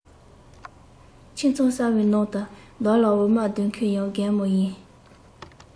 ཁྱིམ ཚང གསར བའི ནང དུ བདག ལ འོ མ ལྡུད མཁན ཡང རྒན མོ ཡིན